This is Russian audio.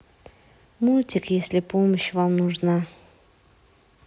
мультик если помощь вам нужна